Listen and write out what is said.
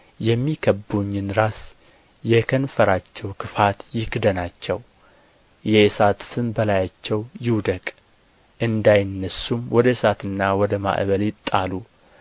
የሚከብቡኝን ራስ የከንፈራቸው ክፋት ይክደናቸው የእሳት ፍም በላያቸው ይውደቅ እንዳይነሡም ወደ እሳትና ወደ ማዕበል ይጣሉ